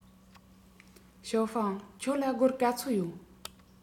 ཞའོ ཧྥང ཁྱོད ལ སྒོར ག ཚོད ཡོད